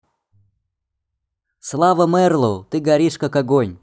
slava marlow ты горишь как огонь